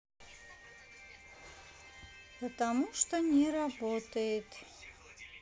потому что не работает